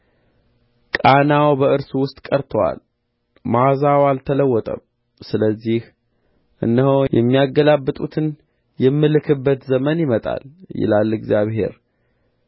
ቃናው በእርሱ ውስጥ ቀርቶአል መዓዛውም አልተለወጠም ስለዚህ እነሆ የሚያገላብጡትን የምልክበት ዘመን ይመጣል ይላል እግዚአብሔር